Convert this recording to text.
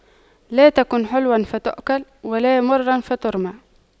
لا تكن حلواً فتؤكل ولا مراً فترمى